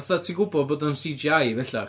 Fatha ti'n gwybod bod o'n CGI bellach.